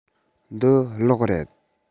འདི གློག རེད